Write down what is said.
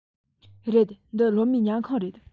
རེད འདི སློབ མའི ཉལ ཁང རེད